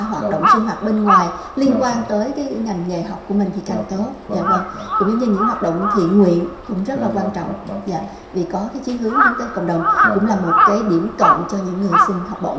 hoạt động sinh hoạt bên ngoài liên quan tới cái ngành nghề học của mình thì càng tốt dạ vâng cũng giống như những hoạt động thiện nguyện cũng rất là quan trọng dạ vì có cái chí hướng hướng tới cộng đồng cũng là một cái điểm cộng cho những người xin học bổng